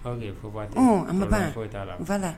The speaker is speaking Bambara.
Aw fo' tɛ foyi' la